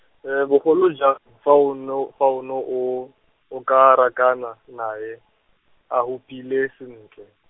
bogolo ja- fa o no fa o no o, o ka rakana nae, a hupile sentle.